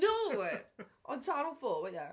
No ond Channel 4 ie.